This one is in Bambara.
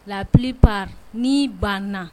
Laki pa ni banna